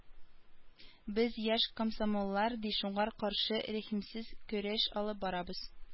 Без, яшь комсомоллар, ди, шуңар каршы рәхимсез көрәш алып барабыз.